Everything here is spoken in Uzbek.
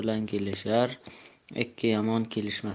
yomon kelishar ikki yomon kelishmas